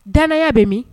Dannaya bɛ min